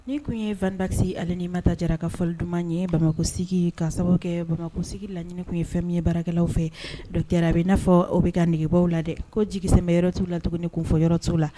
Ni tun ye Van Baxy ale ni Mata Jara ka fɔli duman ye Bamakɔsigi ka sababu kɛ Bamakɔsigi laɲini tun ye fɛn ye baarakɛlanw fɛ docteur a bɛ n'a fɔ o bɛ ka negebɔ aw la dɛ, ko jigisɛmɛyɔrɔ t’u la tuguni kunfɔyɔrɔ t’u la.